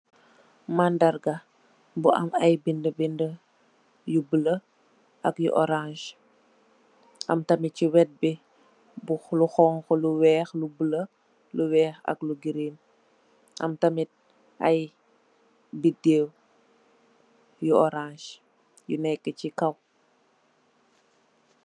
Mandarga bu am ay benda benda yu bulo ak yu orance am tamit si weet bi bu xonxu lu weex lu bulo lu weex ak lu green am tamit ay bidew yu orance yu neka si kaw.